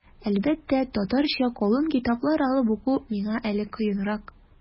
Әлбәттә, татарча калын китаплар алып уку миңа әле кыенрак.